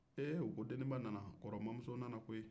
ee deniba nana kɔrɔmuso nana koyi